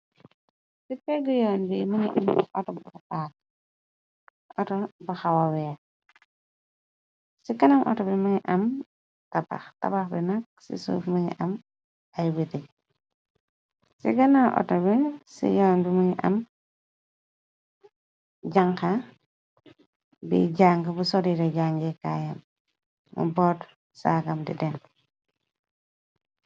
Si pege yoon bi mogi am auto bufa paag auto bu weex ci kanam autobi mogi am tabax tabax bi nak ci suuf mogi am ay witi ci gana autobi ci yoon du mingi am janxa boi jàng mu sol yere jange kaayam mu boot saagam di dem.